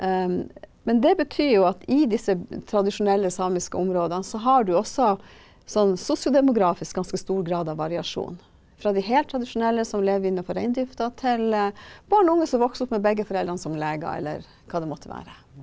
men det betyr jo at i disse tradisjonelle, samiske områda, så har du også sånn sosiodemografisk ganske stor grad av variasjon, fra de helt tradisjonelle som lever innafor reindrifta, til barn og unge som vokser opp med begge foreldre som leger eller hva det måtte være.